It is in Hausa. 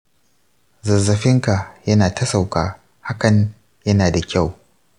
zazzafinka ya nata sauka hakan ya nada kyau.